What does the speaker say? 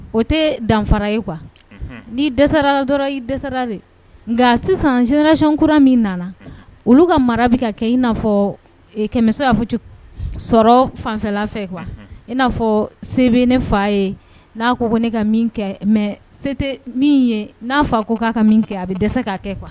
O tɛ danfara ye kuwa ni dɛsɛra la dɔrɔn i dɛsɛsera de nka sisan jinɛckura min nana olu ka mara bɛ ka kɛ i n'a fɔ kɛmɛ' fɔ sɔrɔ fanfɛla fɛ i n'a fɔ se ne fa ye n'a ko ko ne ka kɛ mɛ se tɛ min ye n'a fa ko k'a ka kɛ a bɛ dɛsɛse ka kɛ kuwa